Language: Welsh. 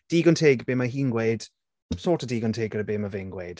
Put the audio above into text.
Digon teg be mae hi'n gweud, sort of digon teg gyda be mae fe'n gweud.